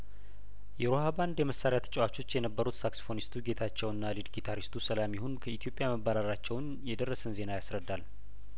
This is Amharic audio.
የሮሀ ባንድ የመሳሪያ ተጫዋቾች የነበሩት ሳክፎኒስቱ ጌታቸውና ሊድ ጊታሪስቱ ሰላም ይሁን ከኢትዮጵያ መባረራቸውን የደረሰን ዜና ያስረዳል